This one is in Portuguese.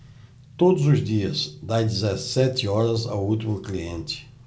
todos os dias das dezessete horas ao último cliente